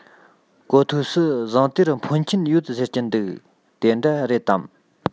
གོ ཐོས སུ ཟངས གཏེར འཕོན ཆེན ཡོད ཟེར གྱི འདུག དེ འདྲ རེད དམ